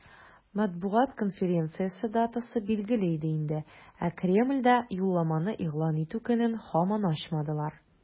Матбугат конференциясе датасы билгеле иде инде, ә Кремльдә юлламаны игълан итү көнен һаман ачмадылар.